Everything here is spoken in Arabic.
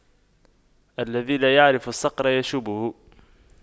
الذي لا يعرف الصقر يشويه